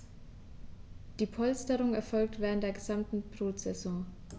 Diese Polsterung erfolgt während der gesamten Brutsaison.